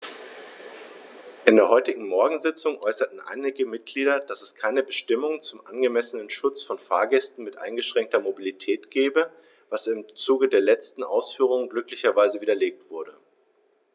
In der heutigen Morgensitzung äußerten einige Mitglieder, dass es keine Bestimmung zum angemessenen Schutz von Fahrgästen mit eingeschränkter Mobilität gebe, was im Zuge der letzten Ausführungen glücklicherweise widerlegt wurde.